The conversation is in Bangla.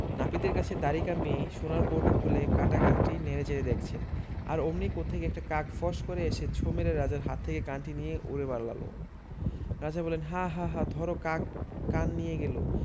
নাপিতের কাছে দাড়ি কামিয়ে সোনার কৌটো খুলে কাটা কানটি নেড়ে চেড়ে দেখছেন আর অমনি কোত্থেকে একটা কাক ফস্ করে এসে ছোঁ মেরে রাজার হাত থেকে কানটি নিয়ে উড়ে পালাল রাজা বললেন হাঁ হাঁ হাঁ ধরো কাক কান নিয়ে গেল